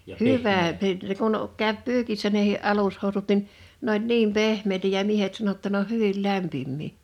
hyvä - ne kun käy pyykissä nekin alushousut niin ne oli niin pehmeitä ja miehet sanoi jotta ne on hyvin lämpimiä